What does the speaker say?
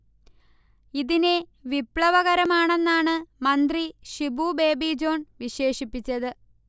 ഇതിനെ വിപ്ലവകരമാണെന്നാണ് മന്ത്രി ഷിബു ബേബി ജോൺ വിശേഷിപ്പിച്ചത്